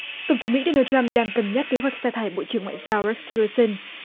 tổng thống mỹ đô na trăm đang cân nhắc kế hoạch sa thải bộ trưởng ngoại giao rếch tiu lơ xừn